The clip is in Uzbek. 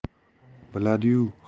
biladi yu hamma